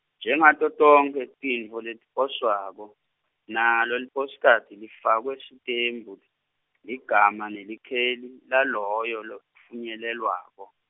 Njengato tonkhe tintfo letiposwako, nalo liposikhadi lifakwa sitembu ligama nelikheli laloyo lotfunyelelwako.